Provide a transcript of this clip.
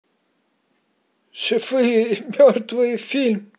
живые и мертвые фильм